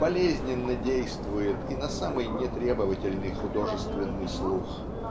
болезненно действует и на самый нетребовательный художественный слух.